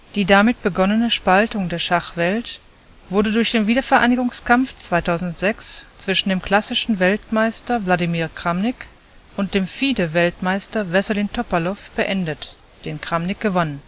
Die damit begonnene Spaltung der Schachwelt wurde durch den Wiedervereinigungskampf 2006 zwischen dem klassischen Weltmeister Wladimir Kramnik und dem FIDE-Weltmeister Wesselin Topalow beendet, den Kramnik gewann